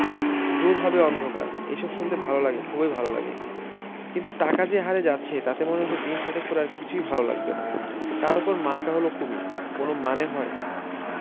দূর হবে অন্ধকার এইসব শুনতে ভাল লাগে খুবই ভাল লাগে কিন্তু টাকা যে হারে যাচ্ছে তাতে মনে হচ্ছে দিন সাতেক পর আর কিছুই ভাল লাগবে না তার উপর মার্কা হল কুমীর কোন মানে হয়